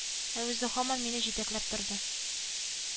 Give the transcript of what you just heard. Аның турында да сүз шуның белән бетә.